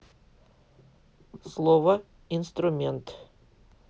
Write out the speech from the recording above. слово инструмент